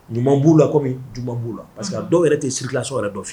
Ɲumanuma b'u la kɔmi juma b'u la parce que dɔw yɛrɛ tɛ sirilasɔ yɛrɛ dɔ fɛ